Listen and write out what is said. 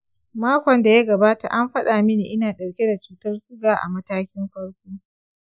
makon da ya gabata an faɗa mini ina ɗauke da cutar suga a matakin farko.